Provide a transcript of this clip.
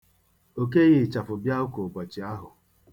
O keghị ịchafụ bịa ụka ụbọchị ahụ.